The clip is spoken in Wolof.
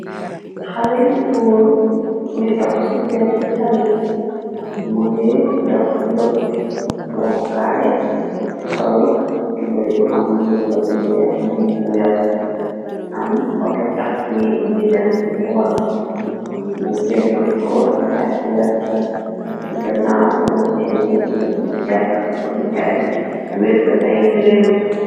Xale bu góor buy dox ci pegg tali, mënga dox ngëp waxukaay, sol tubay bu am lu ñuul ak lu weex, mbobu bu werta, am outo taksi buy dem, ci booram nu penturko nete ak werta, ci ganaaw boo seene dina jës jaaykatu fageejaay wekk ay yiréem.